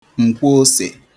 nkwoosè